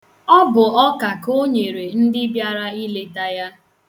Ọ bụ ọka ka o nyere ndị bịara ileta ya.